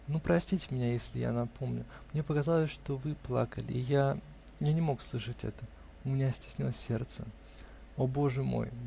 Ну, простите меня, если я напомню: мне показалось, что вы плакали, и я. я не мог слышать это. у меня стеснилось сердце. О, боже мой!